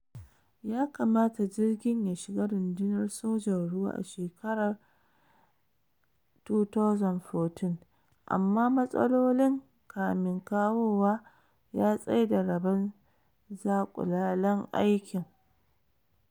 Ya kamata jirgin ya shiga Rundunar Sojan ruwa a shekarar 2014, amma matsalolin kamin kawowa ya tsaida rabon zakulalen aikin.